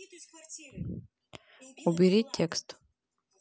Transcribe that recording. убери текст